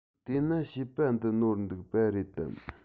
དེ ན བཤད པ འདི ནོར འདུག པ རེད དམ